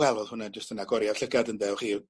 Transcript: wel o'dd hwnna jyst yn agoriad llygad ynde